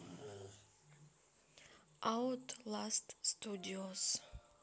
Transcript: аут ласт студиос